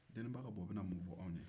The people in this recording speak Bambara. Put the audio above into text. deniba ka buwɔ bɛ na mun fɔ anw ye